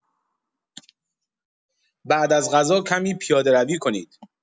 بعد از غذا کمی پیاده‌روی کنید.